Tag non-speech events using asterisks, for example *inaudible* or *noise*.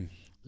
*hesitation*